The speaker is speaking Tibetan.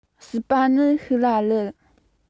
སྲིད པ ནི ཤི ལ ལི